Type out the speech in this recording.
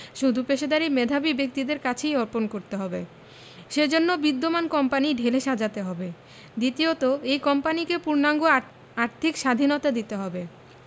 শুধু পেশাদারি মেধাবী ব্যক্তিদের কাছেই অর্পণ করতে হবে সে জন্য বিদ্যমান কোম্পানি ঢেলে সাজাতে হবে দ্বিতীয়ত এই কোম্পানিকে পূর্ণাঙ্গ আর্থিক স্বাধীনতা দিতে হবে